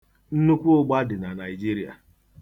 Nnukwu ụgba dị na Naịjirịa.